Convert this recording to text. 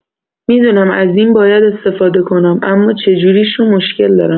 می‌دونم از این باید استفاده کنم، اما چجوریش رو مشکل دارم.